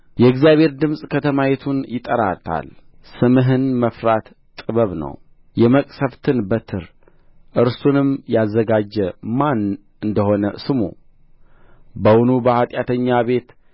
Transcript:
የእግዚአብሔር ድምፅ ከተማይቱን ይጠራታል ስምህን መፍራት ጥበብ ነው የመቅሠፍትን በትር እርሱንም ያዘጋጀ ማን እንደ ሆነ ስሙ በውኑ በኃጢአተኛ ቤት